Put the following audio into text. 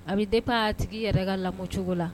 A bɛ de pan tigi yɛrɛ ka lakɔ cogo la